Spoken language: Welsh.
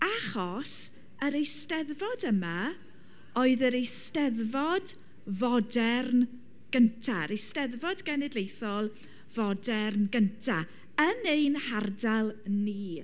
Achos, yr eisteddfod yma oedd yr eisteddfod fodern gynta, yr eisteddfod genedlaethol fodern gynta, yn ein hardal ni.